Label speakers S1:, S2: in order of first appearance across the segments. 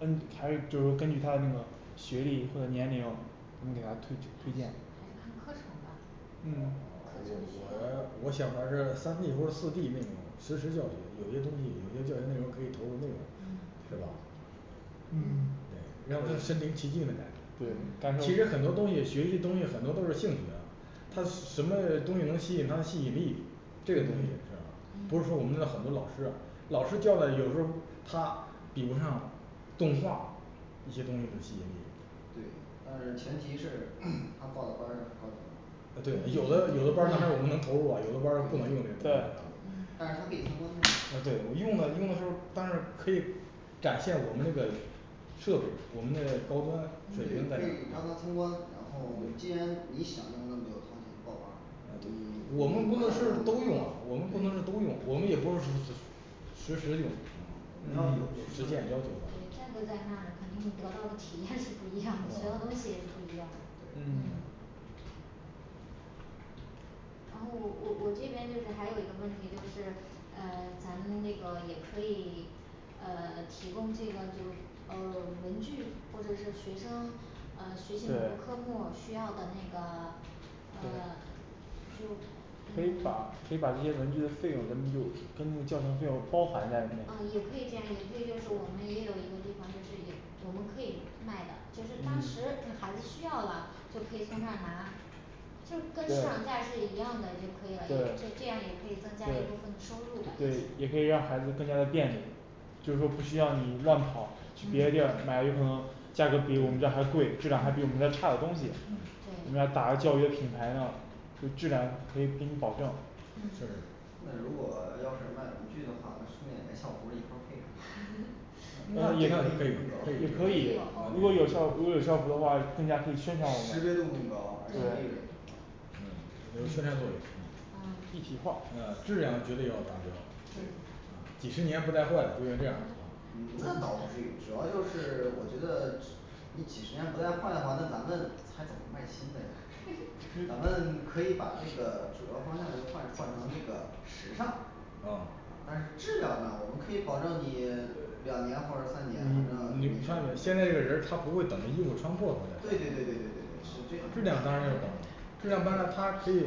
S1: 嗯还是就是说根据他的那个学历或者年龄，我们给他推
S2: 还是还是看
S1: 推荐
S2: 课程吧
S3: 啊啊我
S1: 嗯
S2: 课程需
S3: 我
S2: 要
S3: 也我想把这三D或者四D那种实时教学有些东西有些教学内容可以投入内容，
S2: 嗯
S3: 是吧？
S1: 嗯
S3: 对让他身临其境的感觉
S1: 对，感
S3: 感其实
S1: 受
S3: 很多东西学习的东西很多都是兴趣啊他什么东西能吸引他的吸引力这个东西也是啊不是说我们
S2: 嗯
S3: 很多老师啊老师教的，有时候他比不上动画一些东西的吸引力
S4: 对，但是前提是 他报的班儿是高级的
S1: 对
S4: 但是他可以参观呐
S3: 展现我们这个设备，我们的高端
S4: 可
S3: 水
S4: 以
S3: 平在哪
S4: 可以让他
S3: 儿
S4: 参观，然后既然你想用，那么就掏钱报班儿你
S3: 我们
S4: 你
S3: 不能是都用啊我们不能是都用我们也不是实时
S4: 我
S3: 用
S4: 们
S3: 啊
S4: 要有
S3: 实
S4: 区
S3: 践要
S4: 分
S2: 对价
S3: 求的
S2: 格在那儿的肯定得到的体验是不一样的，学到东西也是不一样的
S1: 嗯
S2: 然后我我我这边就是还有一个问题就是，呃咱们那个也可以呃提供这个比如呃文具或者是学生呃学习哪个
S1: 对
S2: 科目需要的那个呃
S1: 书
S2: 就
S1: 可以把可以把这些文具的费用，咱们就跟那个教学费用包含在里
S2: 啊
S1: 面
S2: 也可以这样也可以就是，我们也有一个地方就是也我们可以卖的就是当时
S1: 嗯
S2: 嗯孩子需要了就可以从这儿拿就跟市场
S1: 对
S2: 价是一样的就可以了，也就是
S1: 对
S2: 这样也可以增加一部
S1: 对
S2: 分的收入
S1: 对
S2: 的
S1: 也可以让孩子更加的便利就是说不需要你乱跑去别的地儿买，有可能价格比我们这还贵，质量还比我们这差的东西我们要
S2: 对
S1: 打着教育的品牌呢，就质量可以给你保证
S3: 是
S2: 嗯
S3: 那你看你
S1: 对
S3: 得
S1: 也可以如果有校，如果有校服的话，更加可以宣传我
S4: 识别度
S1: 们
S4: 更高而且利润也更高
S2: 对
S3: 嗯有宣传作用一体
S2: 啊
S3: 化嗯质量绝对要达标
S4: 对
S3: 啊几十年不带坏的就应该这样
S4: 嗯
S3: 啊
S4: 那倒不至于主要就是我觉得你几十年不带坏的话那咱们还怎么卖新的呀咱们可以把这个主要方向就换换成那个时尚
S3: 啊嗯你看吧现在这个人儿他不会等着衣服穿破了
S4: 对对对对对对
S3: 他再
S4: 是这
S3: 换质
S4: 种
S3: 量当然要保质量当然他还可以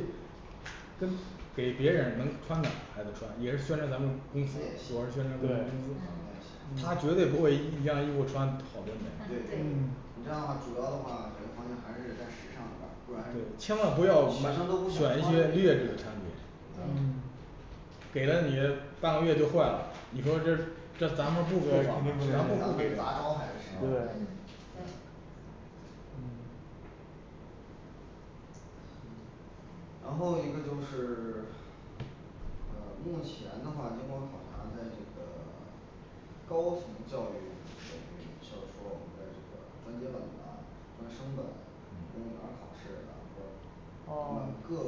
S3: 跟给别人能穿的还得穿，也是宣传咱们公司主要是宣传咱们公司
S1: 对
S3: 啊
S2: 啊
S3: 他绝对不会一样衣服穿好多
S2: 啊对
S3: 年
S1: 嗯
S3: 对千万不要选一些劣质的产品
S1: 嗯
S2: 对
S3: 给了你了半个月就坏了，你说这这咱们不给对还
S4: 这是咱
S3: 不
S4: 们
S3: 如不给
S4: 砸招牌这是
S2: 嗯对
S1: 嗯
S4: 嗯然后一个就是呃目前的话经过考察，在这个
S1: 嗯哦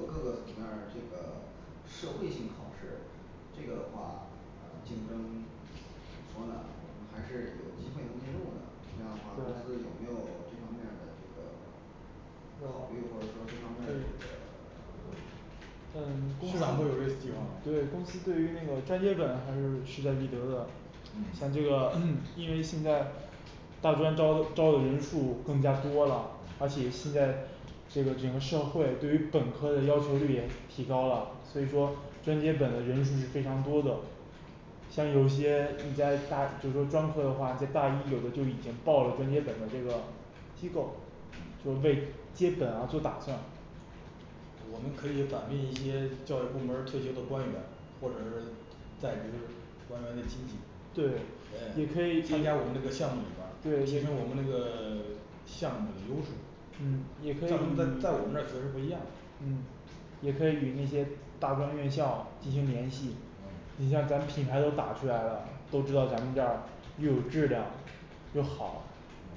S4: 社会性考试，这个的话呃竞争怎么说呢还是有机会能进入的，这样的话公司有
S1: 对
S4: 没有这方面的这个考虑
S1: 有
S4: 或者说这方面儿
S1: 对
S4: 这个
S1: 嗯公
S3: 是
S1: 司
S3: 咱们有这个计划
S1: 对
S3: 吗
S1: 公司对于那个专接本还是势在必得的像这
S3: 嗯
S1: 个 因为现在大专招的招的人数更加多了，而且现在这个整个社会对于本科的要求率也提高了，所以说专接本的人数是非常多的像有些你在大就说专科的话，你在大一有的就已经报了专接本的这个机构就为接本啊做打算
S3: 呃我们可以把那一些教育部门儿退休的官员，或者是在职官员的亲戚
S1: 对也可以
S3: 呃
S1: 对
S3: 参加我们这个项目里边儿，提升我们这个项目的优
S1: 嗯也
S3: 势
S1: 可以
S3: 让他们在在我们这儿学是不一样的
S1: 嗯也可以与那些大专院校进行联系。你像咱们品牌都打出来了，都知道咱们这儿又有质量，又好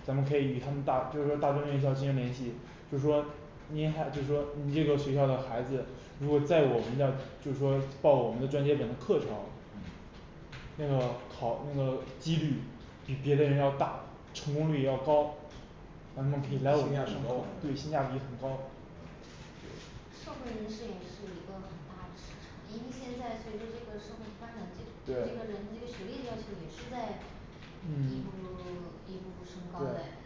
S1: 咱们可以与他们大就是说大专院校进行联系就是说您还就说你这个学校的孩子，如果在我们的就是说报我们的专接本的课程，那个考那个几率比别的人要大，成功率要高让他们可以来我们这对性
S3: 性价
S1: 价
S3: 比高
S1: 比很高
S2: 社会人士也是一个很大的市场，因为现在随着这个社会的发展，这个
S1: 对
S2: 人这个学历的要求也是在
S1: 嗯对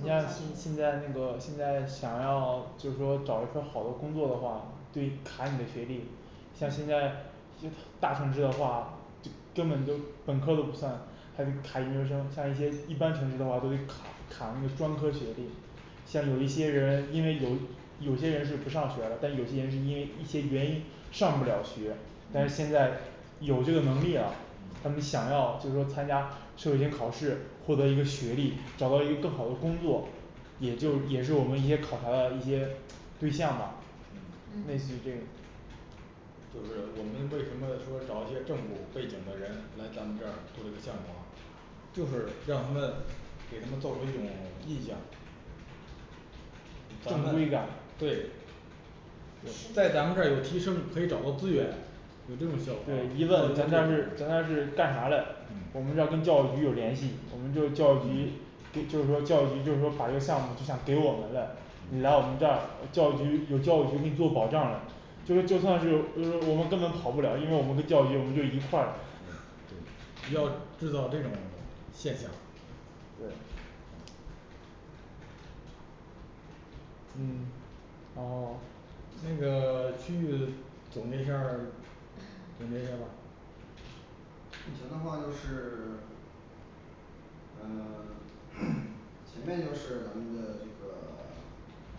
S1: 你像现在那个现在想要就是说找一份好的工作的话对卡你的学历，像现在就大城市的话就，根本就本科都不算还得卡研究生，像一些一般城市的话都得卡卡那个专科学历像有一些人，因为有一有些人是不上学了，但有些人是因为一些原因上不了学但是现在有这个能力了他们想要就说参加社会学考试，获得一个学历，找到一个更好的工作，也就也是我们一些考察的一些对象吧
S3: 嗯
S1: 类
S2: 嗯
S1: 似于这种
S3: 就是我们为什么说找一些政府背景的人来咱们这儿做这个项目啊，就是让他们给他们造成一种印象咱
S1: 正规
S3: 们
S1: 感
S3: 对在咱们这儿有提升，可以找到资源有这种效果
S1: 对一
S3: 啊
S1: 问咱家是咱家是干啥的，我们
S3: 嗯
S1: 这跟教育局有联系我们就教育局给就是说教育局就是说把这个项目就想给我们了，你来我们
S3: 嗯
S1: 这儿有教育局有教育局给你做保障的所以就算是嗯我们根本跑不了，因为我们跟教育局我们就一块儿
S4: 对
S3: 要制造这种现象
S1: 对
S3: 嗯嗯然后那个区域总结一下儿，总结一下儿吧
S4: 以前的话就是呃 前面就是咱们的这个呃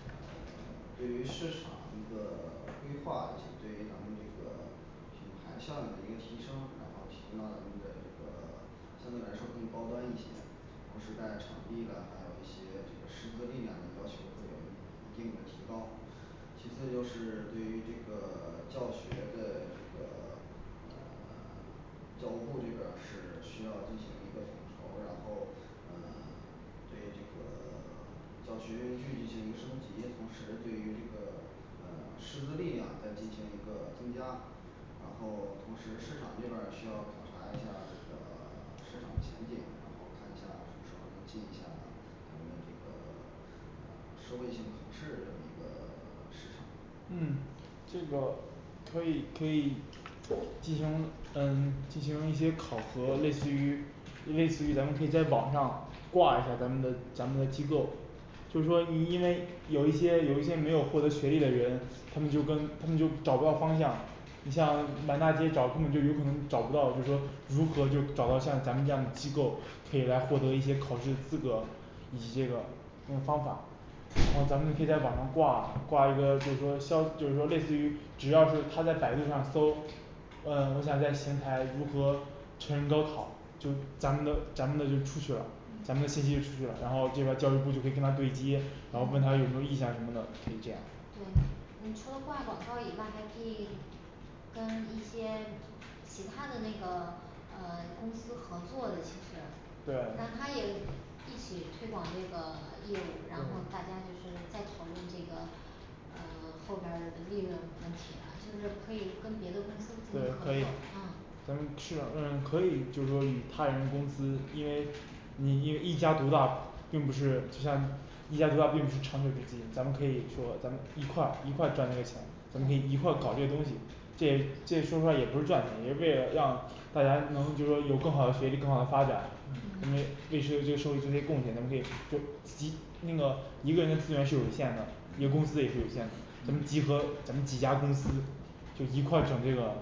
S4: 对于市场一个规划，以及对于咱们这个品牌效应的一个提升，然后提升到咱们的相对来说更高端一些同时在场地的还有一些这个师资力量的要求会有进一步的提高。其次就是对于这个教学的这个呃 然后同时市场这边儿需要考察一下这个市场前景，然后看一下什么时候能进一下咱们的这个 收费性考试的一个市场
S1: 嗯这个可以可以进行嗯进行一些考核，类似于类似于咱们可以在网上挂一下咱们的咱们的机构就是说因因为有一些有一些没有获得学历的人，他们就跟他们就找不到方向，你像满大街找根本就有可能找不到就是说如何就找到像咱们这样的机构可以来获得一些考试资格，以及这个用方法，然后咱们可以在网上挂挂一个就说消息就说类似于只要是他在百度上搜嗯我想在邢台如何成人高考，就咱们的咱们的就出去了咱们的
S2: 嗯
S1: 信息就出去了，然后这边儿交流部就可以跟他对接，然后问他
S2: 嗯
S1: 有没有意向什么的，就这样
S2: 对你除了挂广告以外，还可以跟一些其他的那个呃公司合作的，其实让
S1: 对
S2: 他也一起推广这个业务，然后
S1: 对
S2: 大家就是在讨论这个呃后边儿的利润问题了，就是可以跟别的公司
S1: 对
S2: 进行合
S1: 可以
S2: 作嗯
S1: 咱们去了嗯可以就是说与他人公司，因为你一一家独大并不就像一家独大并不是长久之计，咱们可以说咱们一块儿一块儿赚这个钱咱们可以一块儿搞这些东西，这这说实话也不是赚钱，也是为了让大家能就是说有更好的学习更好的发展因
S3: 嗯
S1: 为为社会社会做些贡献，咱们可以就集那个一个人的资源是有限的，因为公
S3: 嗯
S1: 司也是有限的。咱们集合咱们几家公司就一块儿整这个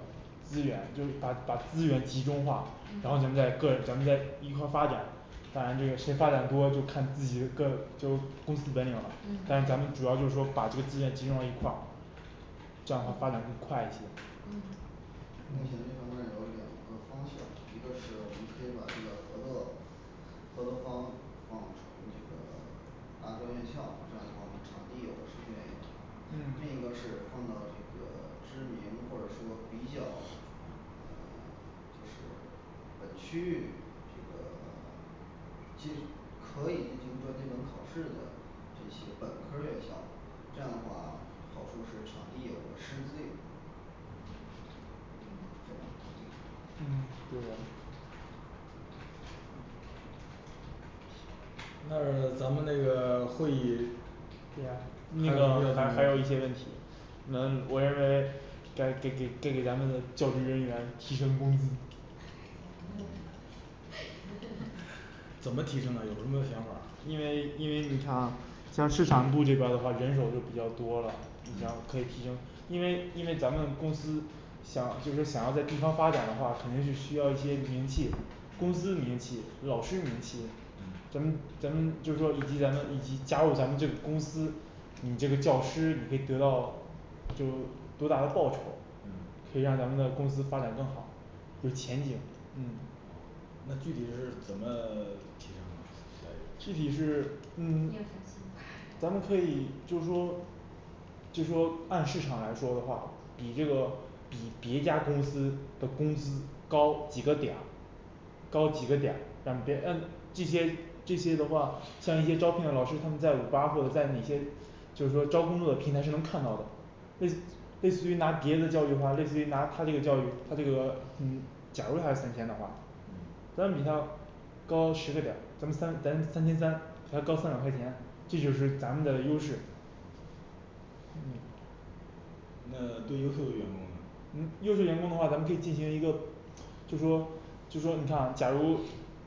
S1: 资源，就把把资源集中化，然后咱们
S2: 嗯
S1: 再个咱们再一块儿发展，当然这个谁发展多，就看自己各就公司本领了
S2: 嗯
S1: 但
S2: 对
S1: 咱们主要就是说把这个资源集中到一块儿这样话发展会快一些
S2: 嗯
S4: 目前这
S1: 嗯
S4: 方面有两个方向，一个是我们可以把这个合作合作方从这个大专院校，这样的话我们场地有什么原因另一个
S1: 嗯
S4: 是放到这个知名或者说比较嗯就是本区域这个 其实可以进行专接本考试的这些本科儿院校，这样的话好处是场地有了师资有了这两个方向
S1: 嗯对
S3: 那儿咱们那个会议
S1: 对呀还有一些问题呃我认为该给给给给咱们的教职人员提升工资
S3: 怎么提升啊有什么想法啊
S1: 因为因为你看啊像市场部这边的话人手就比较多了，然后可以
S3: 嗯
S1: 提升，因为因为咱们公司想就是想要在地方发展的话，肯定是需要一些名气，公司名气、老师名气
S3: 嗯
S1: 咱们咱们就是说以及咱们以及加入咱们这个公司，你这个教师你可以得到就多大的报酬
S3: 嗯
S1: 可以让咱们的公司发展更好，有前景。 嗯
S3: 那具体是怎么提升啊在
S1: 具体是嗯
S2: 你有啥
S1: 咱
S2: 想法
S1: 们可以就是说就是说按市场来说的话，比这个比别家公司的工资高几个点儿，高几个点儿，让别人嗯这些这些的话，像一些招聘的老师，他们在五八或者在哪些就是说招工作的平台是能看到的类类似于拿别人的教育的话，类似于拿它这个教育它这个嗯，假如他要三千的话
S3: 嗯
S1: 咱比他高十个点儿，咱们三咱三千三还高三百块钱，这就是咱们的优势
S3: 嗯那对优秀的员工呢
S1: 嗯优质员工的话，咱们可以进行一个，就说就说你看假如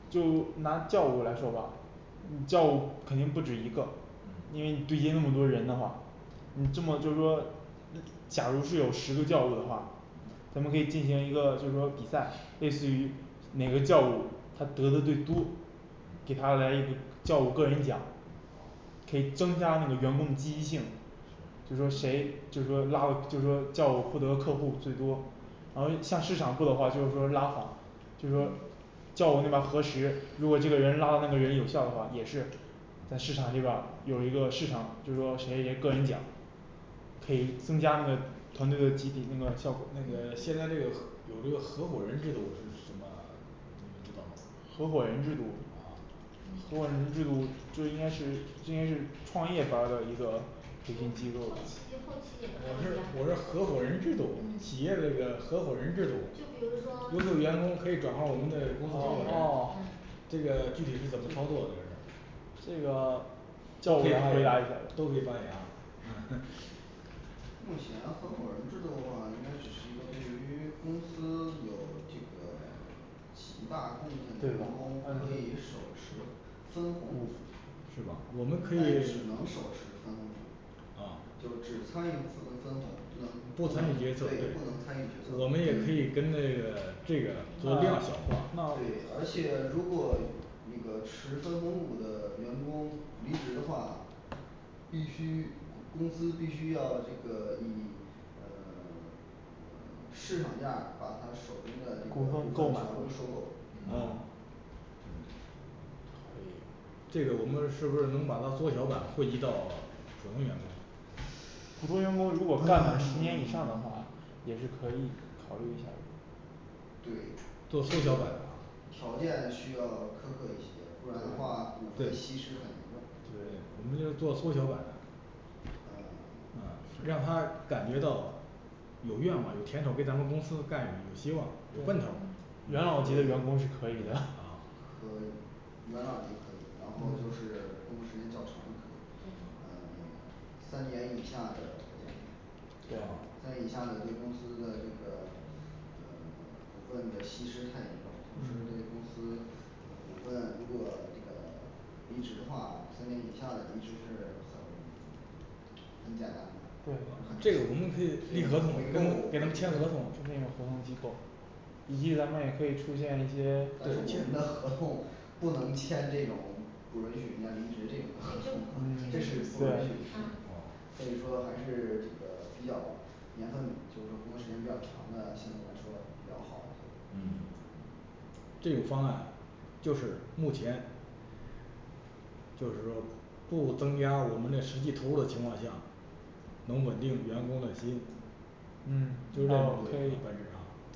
S1: 就拿教务来说吧嗯教务肯定不止一个，因为
S3: 嗯
S1: 对接那么多人的话，你这么就是说嗯假如是有十个教务的话
S3: 嗯
S1: 咱们可以进行一个就是说比赛类似于哪个教务他得的最多，给他来一个教务个人奖，可以增加那个员工的积极性就说谁就说拉就是说教务负责客户最多，然后向市场部的话就是说拉访就是说教务那边儿核实，如果这个人拉的那个人有效的话，也是在市场这个有一个市场就是说谁谁个人奖可以增加那个团队的集体那个效果
S3: 那个现在那个合有这个合伙人制度是什么啊你们知道吗
S1: 合伙人制度，
S3: 啊
S1: 合伙人制度，这应该这应该是创业班儿的一个培训
S2: 后期后期也
S1: 机构
S3: 我
S2: 可
S3: 是我
S2: 以
S3: 是
S2: 吧
S3: 合伙人制度企业的一个合伙人制度
S2: 就比如说，
S3: 优
S2: 可以
S3: 秀员工可以转化我们的
S2: 对
S3: 公司合伙
S1: 哦
S3: 人
S2: 嗯
S1: 哦
S3: 这个具体是怎么操作这个是
S1: 这个
S4: 目前合伙人制度的话，应该只是一个对于公司有这个极大贡献
S3: 对
S4: 的员
S3: 吧
S4: 工可以手持分红股
S3: 是
S4: 只
S3: 吧我们可以
S4: 能手持分红股
S3: 啊
S4: 就只参与一次分红不能对
S3: 不
S4: 不能参
S3: 参
S4: 与
S3: 与决
S4: 决
S3: 策
S4: 策
S3: 对我们也可以跟那个这个做量消
S1: 那
S3: 化
S1: 那
S4: 对而且如果那个持分红股的员工离职的话，必须公司必须要这个以呃市场价把他手中的这个股
S3: 股份
S4: 份
S3: 购
S4: 全
S3: 买
S4: 部收购
S3: 啊嗯可以这个我们是不是能把它缩小版汇集到普通员工
S1: 普通员工如果干满十年以上的话，也是可以考虑一下
S4: 对
S3: 做缩小版的啊
S4: 条件需要苛刻一些，不然的话股份稀
S3: 对
S4: 释很严
S3: 对
S4: 重
S3: 我们就是做缩小版的
S4: 嗯
S3: 嗯让他感觉到有愿望有甜头儿给咱们公司干，有希望有奔头儿
S1: 元老级的员工是可以的
S3: 啊
S4: 可以。元老级可以，然后就是工作时间较长这种呃三年以下的条件对吧？在以下的对公司的这个嗯股份的稀释太严重，同时对公
S1: 嗯
S4: 司股份如果那个离职的话三年以下的离职是很很简单的
S1: 对
S3: 这个我们可以立合同跟给他们签合同
S1: 就那种合同机构以及咱们也可以出现一些
S4: 但是我们的合同不能签这种不允许人家离职这种的
S3: 哦
S4: 所以说还是这个比较年份就是工作时间比较长的相对来说比较好一些
S3: 嗯这种方案就是目前就是说不增加我们的实际投入的情况下能稳定员工的心
S1: 嗯就
S3: 那
S1: 说
S3: 我们可以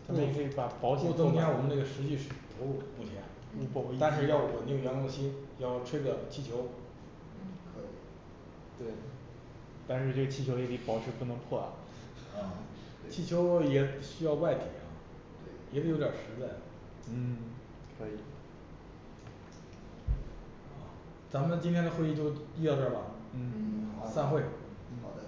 S1: 咱
S3: 不
S1: 们也可以把保险
S3: 不增加我们这个实际投入目前
S1: 嗯不
S3: 但是要稳定员工的心，要吹个气球
S4: 嗯可以
S1: 对但是这个气球也给保持不能破啊
S3: 啊气
S4: 对
S3: 球也需要外体啊，也得有点儿实在
S1: 嗯可以
S3: 好，咱们今天的会议就议到这儿吧
S1: 嗯
S2: 嗯
S3: 散会
S4: 好的